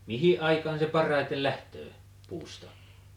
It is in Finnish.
mihin aikaan se parhaiten lähtee puusta